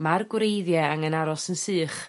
ma'r gwreiddie angen aros yn sych